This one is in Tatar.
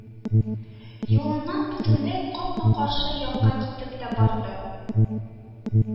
Юлыннан бөтенләй капма-каршы якка китеп тә барды